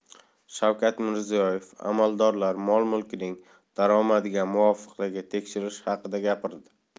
shavkat mirziyoyev amaldorlar mol mulkining daromadiga muvofiqligi tekshirilishi haqida gapirdi